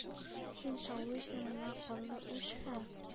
Син шаулыйсың, миңа канлы үч һәм